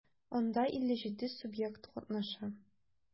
Анда 57 субъект катнаша.